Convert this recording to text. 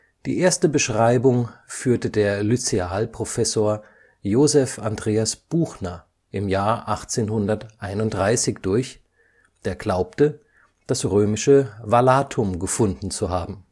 Die erste Beschreibung führte der Lycealprofessor Joseph Andreas Buchner (1776 – 1854) 1831 durch, der glaubte, das römische Vallatum gefunden zu haben